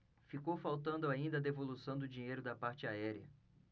ficou faltando ainda a devolução do dinheiro da parte aérea